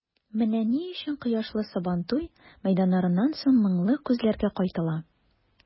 Менә ни өчен кояшлы Сабантуй мәйданнарыннан соң моңлы күзләргә кайтыла.